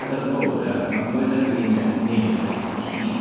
Llygoden fawr ia, ma' mwy debyg i ny- ni na be 'di ci.